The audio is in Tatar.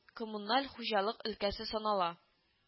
Коммуналь хуҗалык өлкәсе санала